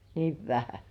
niin vähän